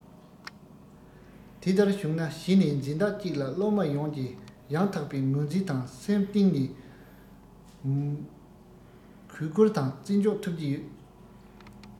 དེ ལྟར བྱུང ན གཞི ནས འཛིན བདག ཅིག ལ སློབ མ ཡོངས ཀྱི ཡང དག པའི ངོས འཛིན དང སེམས གཏིང ནས གུས བཀུར དང རྩི འཇོག ཐོབ ཀྱི ཡོད